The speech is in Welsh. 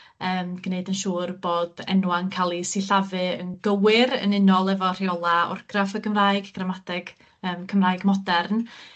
yym gneud yn siŵr bod enwa'n ca'l 'u sillafu yn gywir yn unol efo rheola' orgraff y Gymraeg, gramadeg yym Cymraeg modern